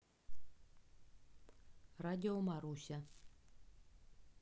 радио маруся